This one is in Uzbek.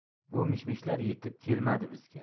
bu mishmishlar yetib kelmadi bizga